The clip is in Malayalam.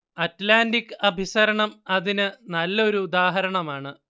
അറ്റ്ലാന്റിക് അഭിസരണം അതിന് നല്ല ഒരു ഉദാഹരണമാണ്